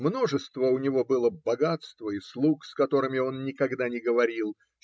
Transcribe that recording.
множество у него было богатства и слуг, с которыми он никогда не говорил